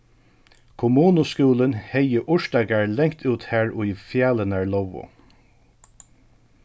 kommunuskúlin hevði urtagarð langt út har ið fjalirnar lógu